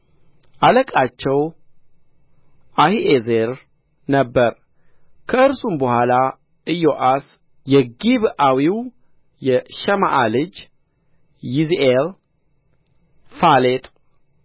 አለቃቸው አሒዔዝር ነበረ ከእርሱም በኋላ ኢዮአስ የጊብዓዊው የሸማዓ ልጆች ይዝኤል ፋሌጥ